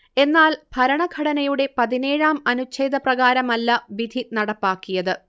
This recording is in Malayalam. എന്നാൽ ഭരണഘടനയുടെ പതിനേഴാം അനുഛേദപ്രകാരമല്ല വിധി നടപ്പാക്കിയത്